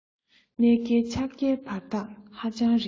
གནས བསྐལ ཆགས བསྐལ བར ཐག ཧ ཅང རིང